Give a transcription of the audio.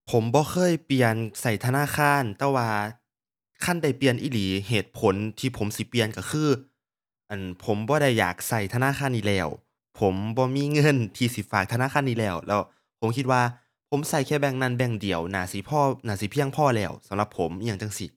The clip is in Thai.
ผมบ่เคยเปลี่ยนใช้ธนาคาร แต่ว่าคันได้เปลี่ยนอีหลี เหตุผลที่ผมสิเปลี่ยนใช้คือ อั่น ผมบ่ได้อยากใช้ธนาคารนี้แล้ว ผมบ่มีเงินที่สิฝากธนาคารนี้แล้ว แล้วผมคิดว่าผมใช้แค่แบงก์นั้นแบงก์เดียวน่าสิพอ น่าสิเพียงพอแล้วสำหรับผมอิหยังจั่งซี้